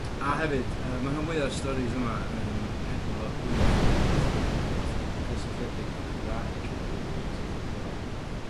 A hefyd yy ma' rhan fwya o'r storis yma yym efo linc fatha ne' wbath c- cysylltiedig Cymraeg. Hmm. Sy eitha ddiddorol.